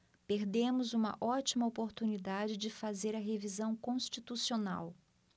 perdemos uma ótima oportunidade de fazer a revisão constitucional